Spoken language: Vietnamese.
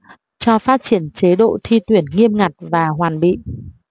cho phát triển chế độ thi tuyển nghiêm ngặt và hoàn bị